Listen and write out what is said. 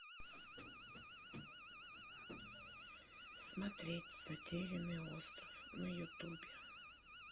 смотреть затерянный остров на ютубе